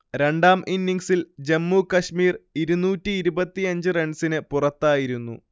രണ്ടാം ഇന്നിങ്സിൽ ജമ്മു കശ്മീർ ഇരുനൂറ്റിഇരുപത്തിയഞ്ച് റൺസിന് പുറത്തായിരുന്നു